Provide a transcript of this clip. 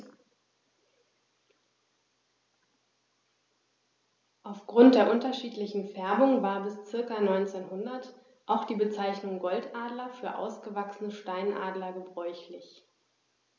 Auf Grund der unterschiedlichen Färbung war bis ca. 1900 auch die Bezeichnung Goldadler für ausgewachsene Steinadler gebräuchlich.